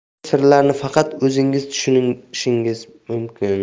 siz bu sirlarni faqat o'zingiz tushunishingiz mumkin